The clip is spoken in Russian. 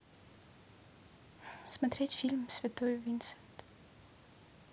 смотреть фильм святой винсент